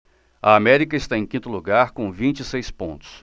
o américa está em quinto lugar com vinte e seis pontos